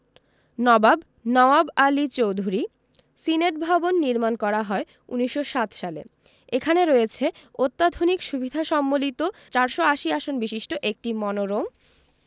নবাব নওয়াব আলী চৌধুরী সিনেটভবন নির্মাণ করা হয় ২০০৭ সালে এখানে রয়েছে অত্যাধুনিক সুবিধা সম্বলিত ৪৮০ আসন বিশিষ্ট একটি মনোরম